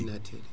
ilnateɗi